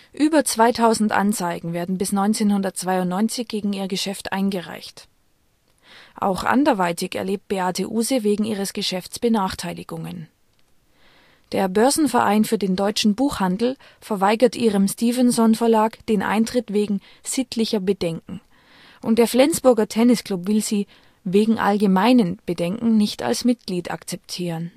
Über 2'000 Anzeigen werden bis 1992 gegen ihr Geschäft eingereicht. Auch anderweitig erlebt Beate Uhse wegen ihres Geschäfts Benachteiligungen: Der Börsenverein für den Deutschen Buchhandel verweigert ihrem Stephenson Verlag den Eintritt " wegen sittlicher Bedenken " und der Flensburger Tennisclub will sie wegen " allgemeinen Bedenken " nicht als Mitglied akzeptieren